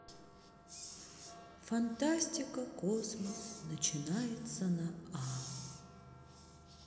фантастика космос начинается на а